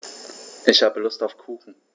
Ich habe Lust auf Kuchen.